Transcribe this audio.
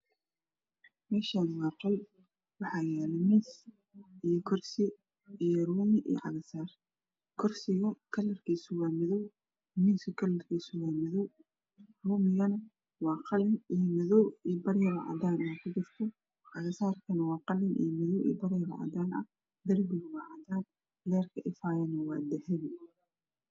Meeshaani waa qol waxaa yaale miis iyo kursi iyo nin iyo cago saar kursiga kalarkiisa waa madow miiska kalarkiisana waa madow ruumigana waa qalin iyo madow iyo bar yar oo cadaan ku jirto cagasaarkaan waa qalin iyo madow iyo baryar oo cadaan ah darbigana waa cadaan leerka ifaayo waa dahabi